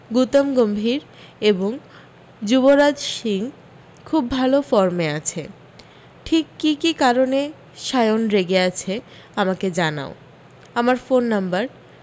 গুতম গম্ভীর এবং যুবরাজ সিং খুব ভালো ফর্মে আছে ঠিক কী কী কারণে সায়ন রেগে আছে আমাকে জানাও আমার ফোন নাম্বার